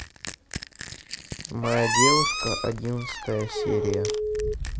моя девушка одиннадцатая серия